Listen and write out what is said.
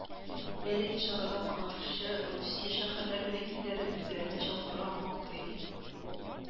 Әлеге чарада катнашучы Русия шәһәрләре вәкилләре үзләренә чакыра, мактый